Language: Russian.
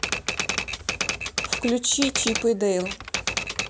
включи чип и дейл